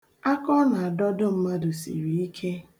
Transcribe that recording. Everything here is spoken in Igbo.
Aka ọ na-adọdo mmadụ siri ike.